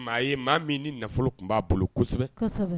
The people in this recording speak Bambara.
Maa ye maa min ni nafolo kun b'a bolo kosɛbɛ kosɛbɛ